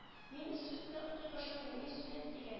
Мин институтта укый башладым мин студент дигән